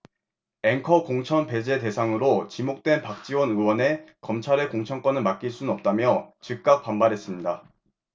앵커 공천 배제 대상으로 지목된 박지원 의원은 검찰에 공천권을 맡길 순 없다며 즉각 반발했습니다